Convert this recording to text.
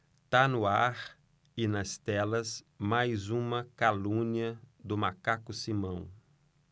tá no ar e nas telas mais uma calúnia do macaco simão